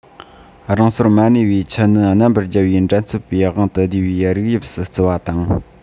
རང སོར མ གནས པའི ཁྱུ ནི རྣམ པར རྒྱལ བའི འགྲན རྩོད པས དབང དུ བསྡུས པའི རིགས དབྱིབས སུ བརྩི བ དང